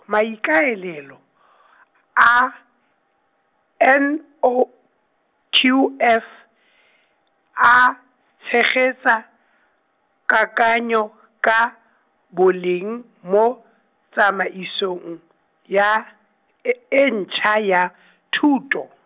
maikaelelo , a, N O, Q F , a, tshegetsa, kakanyo, ka, boleng, mo, tsamaisong, ya, e e ntsha ya , thuto.